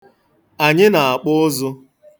Anyị na-akpụ ụzụ.